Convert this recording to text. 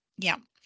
Iawn.